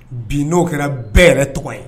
Bi n'o kɛra bɛɛ yɛrɛ tɔgɔ ye